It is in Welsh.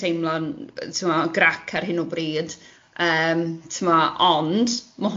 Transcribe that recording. teimlo'n yy ti'bod, grac ar hyn o bryd, yym ti'bod, ond, ma'